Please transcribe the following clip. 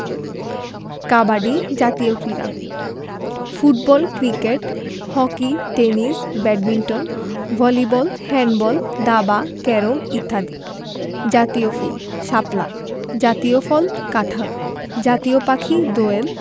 কাবাডি জাতীয় ক্রীড়া football cricket hockey tennis badminton volleyball handball দাবা ক্যারম ইত্যাদি জাতীয় ফুলঃ শাপলা জাতীয় ফলঃ কাঁঠাল জাতীয় পাখিঃ দোয়েল